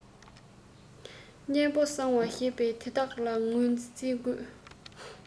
གཉན པོ གསང བ ཞེས པ དེ གང ལ ངོས འཛིན དགོས